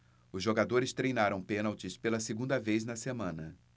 os jogadores treinaram pênaltis pela segunda vez na semana